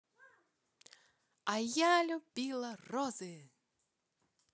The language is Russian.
а я любила розы